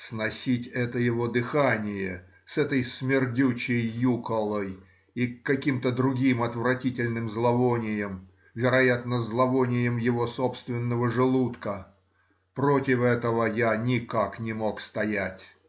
сносить это его дыхание с этой смердючей юколой и каким-то другим отвратительным зловонием — вероятно, зловонием его собственного желудка,— против этого я никак не мог стоять.